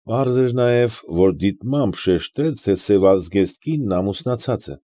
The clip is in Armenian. Պարզ էր նաև,ո ր դիտմամբ շեշտեց, թե սևազգեստ կինն ամուսնացած է։